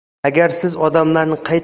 agar siz odamlarni qayta